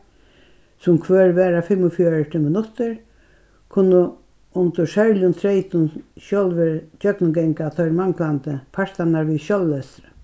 sum hvør varar fimmogfjøruti minuttir kunnu undir serligum treytum sjálvir gjøgnumganga teir manglandi partarnar við sjálvlestri